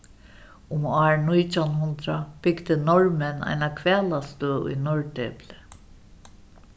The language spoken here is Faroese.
um ár nítjan hundrað bygdu norðmenn eina hvalastøð í norðdepli